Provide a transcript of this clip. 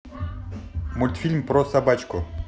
мультфильм про собачку